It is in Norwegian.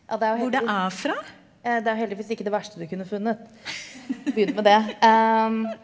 ja det er jo det er heldigvis ikke det verste du kunne funnet begynner med det .